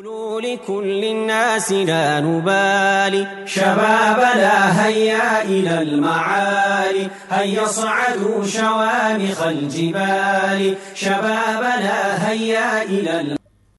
Joliri kunna sigidabali shɛ laya yi la a yojifari shɛ laya yi